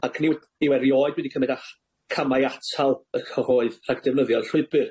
ac nid yw erioed wedi cymyd all- camau atal y cyhoedd rhag defnyddio'r llwybyr.